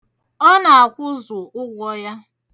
Ọ na-akwụzụ ụgwọ.